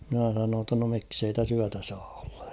minä sanoin jotta no miksi ei tässä yötä saa olla